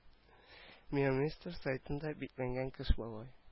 Мияумистер сайтында бикләнгән кыш бабай